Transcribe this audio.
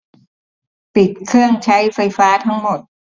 ปิดเครื่องใช้ไฟฟ้าทั้งหมด